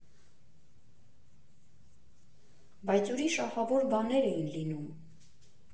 Բայց ուրիշ ահավոր բաներ էին լինում։